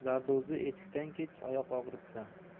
zardo'zi etikdan kech oyoq og'ritsa